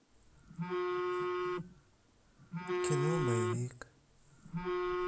кино боевик